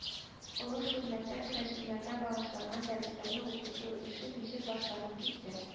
Олы Шүрнәктә керәшеннәргә багышланган дәресләрне укыту эше ничек башланып китте